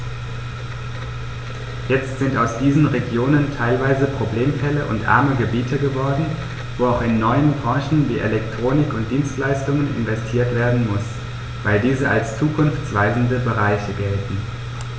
Jetzt sind aus diesen Regionen teilweise Problemfälle und arme Gebiete geworden, wo auch in neue Branchen wie Elektronik und Dienstleistungen investiert werden muss, weil diese als zukunftsweisende Bereiche gelten.